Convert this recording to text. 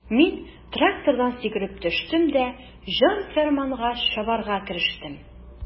Мин трактордан сикереп төштем дә җан-фәрманга чабарга керештем.